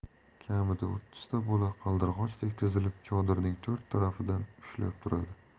kamida o'ttizta bola qaldirg'ochdek tizilib chodirning to'rt tarafidan ushlab turadi